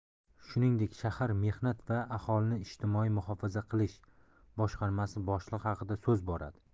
shuningdek shahar mehnat va aholini ijtimoiy muhofaza qilish boshqarmasi boshlig'i haqida so'z boradi